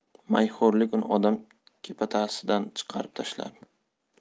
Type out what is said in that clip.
mayxo'rlik uni odam kepatasidan chiqarib tashladi